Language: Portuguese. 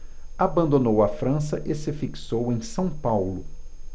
abandonou a frança e se fixou em são paulo